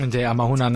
Yndi a ma' hwnna'n...